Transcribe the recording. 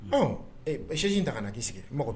Sji in ta ka kana na'i sigi